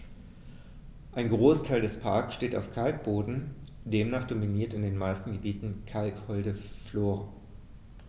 Ein Großteil des Parks steht auf Kalkboden, demnach dominiert in den meisten Gebieten kalkholde Flora.